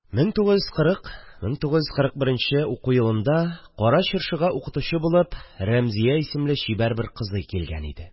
1940 – 1941 уку елында кара чыршыга укытучы булып рәмзия исемле чибәр бер кызый килгән иде